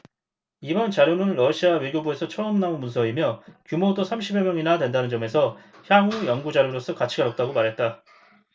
이번 자료는 러시아 외교부에서 처음 나온 문서이며 규모도 삼십 여 명이나 된다는 점에서 향후 연구 자료로서 가치가 높다고 말했다